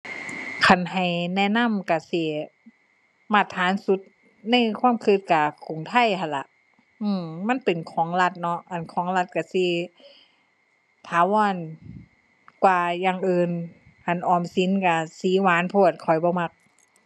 คันให้แนะนำก็สิ มาตรฐานสุดในความก็ก็กรุงไทยหั้นล่ะ อื้ม มันเป็นของรัฐน้อ อั่น ของรัฐก็สิถาวรกว่าอย่างอื่น คันออมสินก็สีหวานโพด ข้อยบ่มัก